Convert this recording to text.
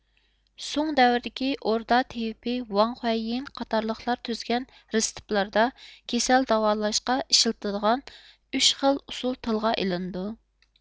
سۇڭ دەۋرىدىكى ئوردا تېۋىپى ۋاڭخۇەييىن قاتارلىقلار تۈزگەن رېتسېپلاردا كېسەل داۋالاشقا ئىشلىتىلىدىغان ئۈچ خىل ئۇسۇل تىلغا ئېلىندۇ